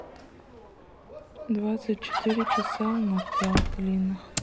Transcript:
двадцать четыре часа в ногтях длинных